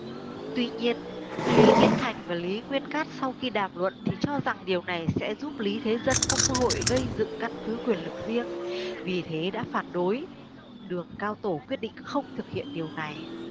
tuy nhiên lý kiến thành và lý nguyên cát sau khi đàm luận thì cho rằng điều này sẽ giúp lý thế dân có cơ hội gây dựng căn cứ quyền lực riêng vì thế đã phản đối đường cao tổ quyết định không thực hiện điều này